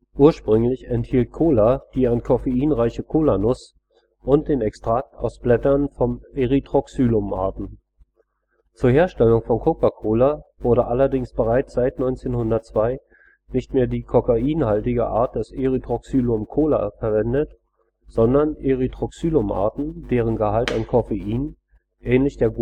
Ursprünglich enthielt Cola die an Coffein reiche Kolanuss und den Extrakt aus Blättern von Erythroxylum-Arten. Zur Herstellung von Coca-Cola wurde allerdings bereits seit 1902 nicht mehr die kokainhaltige Art Erythroxylum coca verwendet, sondern Erythroxylum-Arten, deren Gehalt an Coffein – ähnlich der